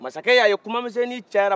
masakɛ y'a ye kumanmisɛnnin cayara